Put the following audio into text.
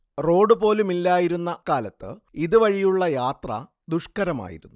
road പോലുമില്ലായിരുന്ന അക്കാലത്ത് ഇതുവഴിയുള്ള യാത്ര ദുഷ്കരമായിരുന്നു